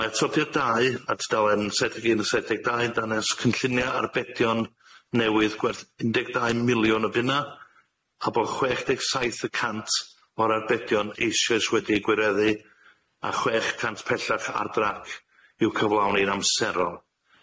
Mae atodiad dau a tudalen saith deg un saith deg dau yn dangos cynllunie arbedion newydd gwerth un deg dau miliwn o bunna, a bo' chwech deg saith y cant o'r arbedion eisoes wedi'u gwireddu, a chwech cant pellach ar drac i'w cyflawni'n amserol.